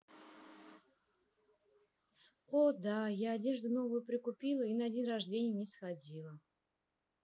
о да я одежду новую прикупила и на день рождения не сходила